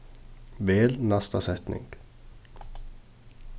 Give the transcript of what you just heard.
vel næsta setning